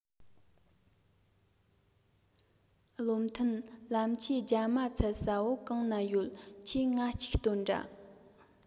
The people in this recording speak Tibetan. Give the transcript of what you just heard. བློ མཐུན ལམ ཆས རྒྱ མ ཚད ས བོ གང ན ཡོད ཁྱོས ང ཅིག སྟོན དྲ